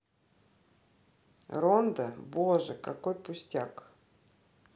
рондо боже какой пустяк